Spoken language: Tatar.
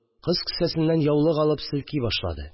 Кыз кесәсеннән яулык алып селки башлады